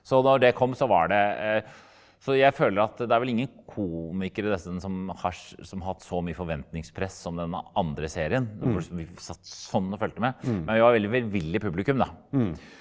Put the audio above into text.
så når det kom så var det så jeg føler at det er vel ingen komikere nesten som som har hatt så mye forventningspress som den andre serien for vi satt sånn å fulgte men vi var veldig velvillig publikum da.